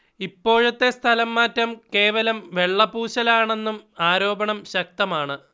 ഇപ്പോഴത്തെ സ്ഥലം മാറ്റം കേവലം വെള്ളപൂശലാണെന്നും ആരോപണം ശക്തമാണ്